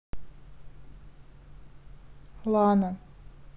лана